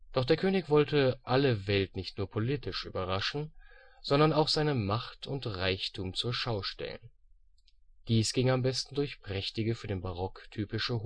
Doch der König wollte alle Welt nicht nur politisch überraschen, sondern auch seine Macht und Reichtum zur Schau stellen. Dies ging am besten durch prächtige, für den Barock typische